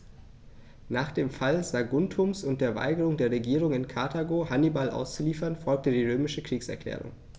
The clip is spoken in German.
Nach dem Fall Saguntums und der Weigerung der Regierung in Karthago, Hannibal auszuliefern, folgte die römische Kriegserklärung.